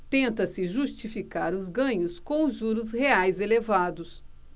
tenta-se justificar o ganho com os juros reais elevados